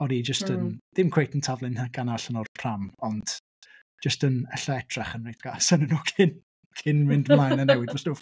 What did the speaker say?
O'n i jyst... hmm. ...yn ddim cweit yn taflu'n nhegannau allan o'r pram, ond jyst yn ella edrych yn reit gas arnyn nhw cyn cyn mynd ymlaen a newid y stwff.